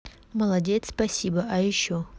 молодец спасибо а еще